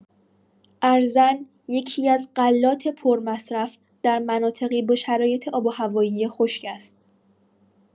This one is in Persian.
ارزن یکی‌از غلات پرمصرف در مناطقی با شرایط آب‌وهوایی خشک است.